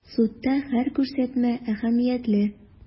Судта һәр күрсәтмә әһәмиятле.